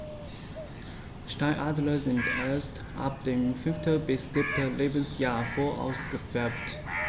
Steinadler sind erst ab dem 5. bis 7. Lebensjahr voll ausgefärbt.